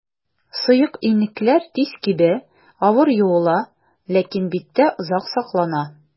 Сыек иннекләр тиз кибә, авыр юыла, ләкин биттә озак саклана.